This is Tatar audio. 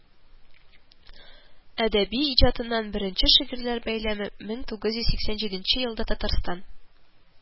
Әдәби иҗатыннан беренче шигырьләр бәйләме 1987 елда Татарстан